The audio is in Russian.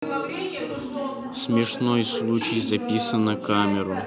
смешной случай записан на камеру